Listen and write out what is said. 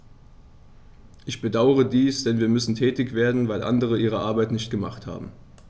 Ich bedauere dies, denn wir müssen tätig werden, weil andere ihre Arbeit nicht gemacht haben.